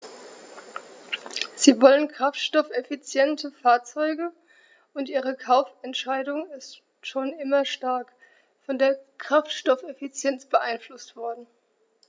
Sie wollen kraftstoffeffiziente Fahrzeuge, und ihre Kaufentscheidung ist schon immer stark von der Kraftstoffeffizienz beeinflusst worden.